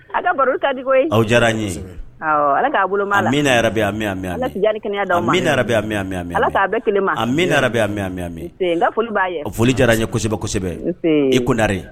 A ka baro diyara n ye ala k'a bolo min yɛrɛ bɛyan bɛyanmiyan ala' bɛmimiyanmi foli jara ye kosɛbɛsɛbɛ e kun naare